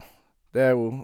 Det er jo...